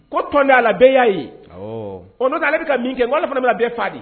Ko tɔntan a la bɛɛ ya ye . Ɔn no tɛ ale bɛ ka min kɛ n ko ale fana min na bɛɛ fa fe